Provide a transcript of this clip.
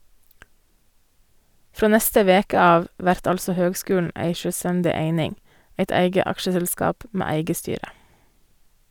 Frå neste veke av vert altså høgskulen ei sjølvstendig eining, eit eige aksjeselskap med eige styre.